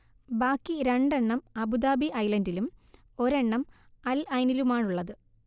ബാക്കി രണ്ടെണ്ണം അബുദാബി ഐലൻഡിലും ഒരെണ്ണം അൽ ഐനിലുമാണുള്ളത്